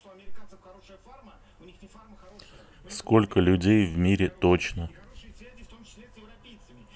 сколько людей в мире точно